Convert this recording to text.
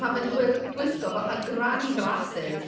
Mae fe’n gwi- gwisgo fatha granny glasses...